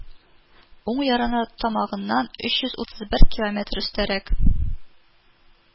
Уң ярына тамагыннан өч йөз утыз бер километр өстәрәк